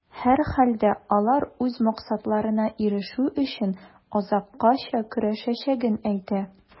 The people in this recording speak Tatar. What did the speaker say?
Һәрхәлдә, алар үз максатларына ирешү өчен, азаккача көрәшәчәген әйтә.